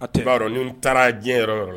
ni n taara diɲɛ yɔrɔ yɔrɔ.